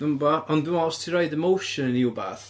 Dwimbo, ond dwi'n meddwl, os ti'n roid emotion i wbath,